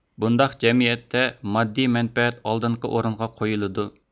بۇنداق جەمئىيەتتە ماددىي مەنپەئەت ئالدىنقى ئورۇنغا قويۇلىدۇ